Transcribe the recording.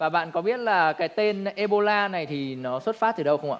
và bạn có biết là cái tên ê bô la này thì nó xuất phát từ đâu không ạ